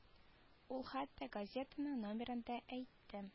Ул хәтта газетаның номерын да әйтте